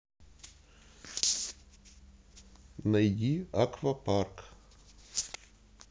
найди аквапарк